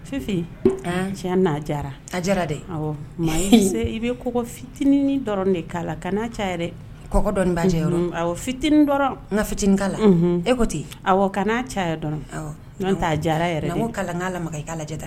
Fifin tiɲɛ n'a jara a jara dɛ maa i bɛ kɔ fitininini dɔrɔn de'a la ka n'a caya yɛrɛ kɔ dɔn b' fitinin dɔrɔn n ka fitinin' la e ko ten kana n'a caya dɔn taaa jara yɛrɛ n ko kalan' k'a lajɛ da